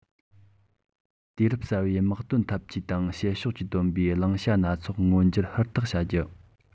དུས རབས གསར པའི དམག དོན འཐབ ཇུས དང བྱེད ཕྱོགས ཀྱིས བཏོན པའི བླང བྱ སྣ ཚོགས མངོན གྱུར ཧུར ཐག བྱ རྒྱུ